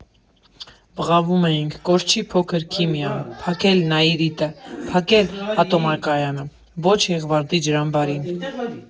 Բղավում էինք՝ «Կորչի՜ փոքր քիմիան», «Փակե՜լ Նաիրիտը», «Փակե՜լ ատոմակայանը», «Ո՛չ Եղվարդի ջրամբարին»։